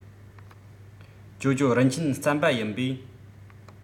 ཇོ ཇོ རིན ཆེན རྩམ པ ཡིན པས